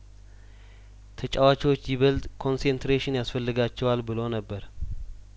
ተጫዋቾች ይበልጥ ኮን ሴት ሬሽን ያስፈልጋቸዋል ብሎ ነበር